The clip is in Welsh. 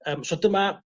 yym so dyma